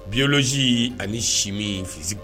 Biologie ani chimie physique